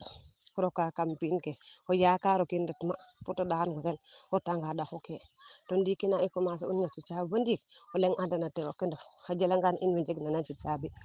o roka kam pin ke o yakaaro kiin retma pour te ndaxan ngo ten o reta nga ndaxu kee to ndiiki ya i commencer u ñeti caabi bo ndiik o leŋ anda na tee o kendof a jela ngaan in weee njeng na ñeti caabi